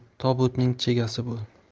tobutning chegasi bo'l